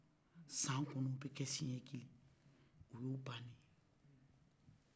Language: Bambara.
san kɔnɔ o bɛ kɛ siɛn kelen o y'o bane ye